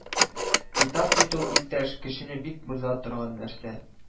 Китап бит ул, иптәш, кешене бик боза торган нәрсә